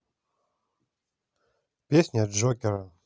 песня джокер